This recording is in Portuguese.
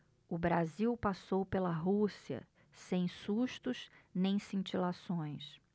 o brasil passou pela rússia sem sustos nem cintilações